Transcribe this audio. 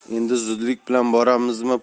endi zudlik bilan boramizmi